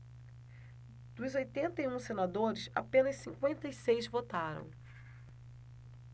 dos oitenta e um senadores apenas cinquenta e seis votaram